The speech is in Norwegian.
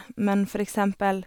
Men, for eksempel...